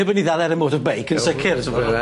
Neb yn 'i ddal ar y motorbike yn sicir.